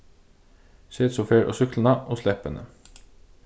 set so ferð á súkkluna og slepp henni